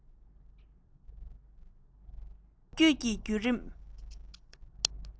ལོ རྒྱུས ཀྱི རྒྱུད རིམ